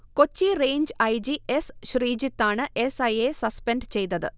Kochi range I. G., S. ശ്രീജിത്താണ് S. ഐയെ suspend ചെയ്തത്